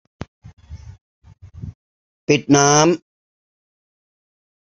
ปิดน้ำ